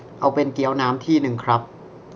เอาเป็นเกี๊ยวน้ำหนึ่งที่ครับ